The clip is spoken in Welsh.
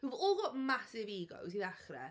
Who've all got massive egos i ddechrau.